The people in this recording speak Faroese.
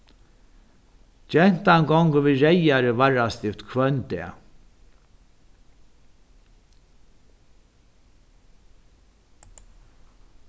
gentan gongur við reyðari varrastift hvønn dag